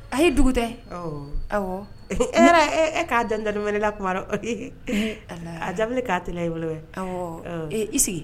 A ye dugu tɛ e yɛrɛ e k'a dandaɛlɛla tuma a k'a tɛ e bolo i sigi